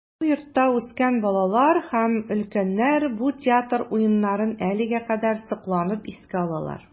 Бу йортта үскән балалар һәм дә өлкәннәр бу театр уеннарын әлегә кадәр сокланып искә алалар.